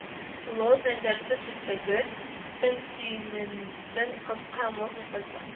Лы, зәңгәрсу төстәге, тез тиңентен кыска, модный пальто,